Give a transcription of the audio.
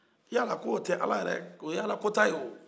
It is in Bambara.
yala ko tɛ ala yɛrɛ o ye alakota ye